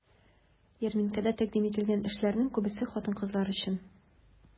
Ярминкәдә тәкъдим ителгән эшләрнең күбесе хатын-кызлар өчен.